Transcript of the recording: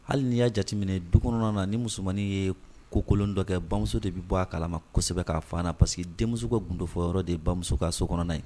Hali nin y'a jateminɛ du kɔnɔna na ni musomanmaninin ye kokolon dɔ kɛ bamuso de bɛ bɔ a kalamasɛbɛ k'a fɔ na parce que denmuso ka gdofɔ yɔrɔ de bamuso ka so kɔnɔ yen